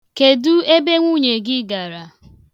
Kedu ebe nwunye gị gara?